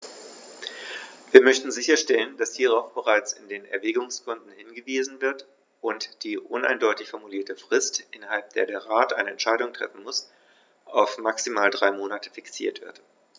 Wir möchten sicherstellen, dass hierauf bereits in den Erwägungsgründen hingewiesen wird und die uneindeutig formulierte Frist, innerhalb der der Rat eine Entscheidung treffen muss, auf maximal drei Monate fixiert wird.